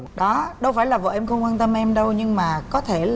đó đâu phải là vợ em không quan tâm em đâu nhưng mà có thể